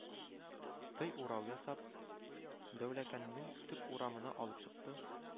Тый урау ясап, дәүләкәннең төп урамына алып чыкты